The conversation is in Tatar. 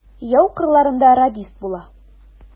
Яу кырларында радист була.